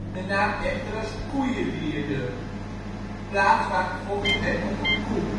de naam echter als " koeiewierde "(' plaats waar gevochten werd om een koe